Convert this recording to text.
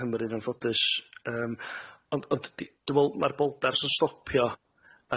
Nghymru'n anffodus yym ond ond d- dwi me'wl ma'r bouldars yn stopio